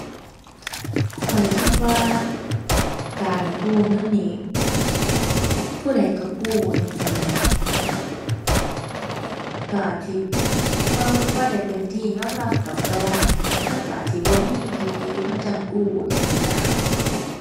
ข้อยคิดว่าการกู้เงินนี่ผู้ใดก็กู้จั่งซี้แหม ก็อาจสิว่าบ่ได้ ว่าได้เป็นที่ยอมรับดอก แต่ว่ามันก็อาจสิบ่มีอีหลี มันจั่งกู้ จั่งซี้นะ